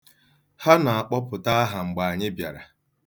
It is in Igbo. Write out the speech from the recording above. Ha na-akpọpụta aha mgbe anyị bịara.